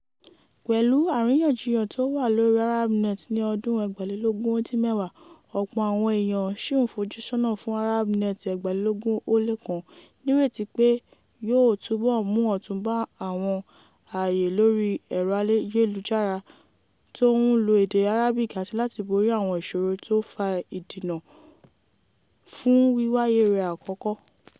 Pẹ̀lu àríyànjiyàn tó wà lórí ArabNet 2010, ọ̀pọ̀ àwọn eèyàn ṣì ń fojúsọ́nà fún ArabNet 2011 ní ìrètí pé yóò túbọ̀ mú ọ̀tun bá àwọn aàyè lórí ẹ̀rọ ayélujárató ń lo èdè Arabic àti láti borí àwọn ìṣòro tó fa ìdínà fún wíwáyé rẹ̀ àkọ́kọ́.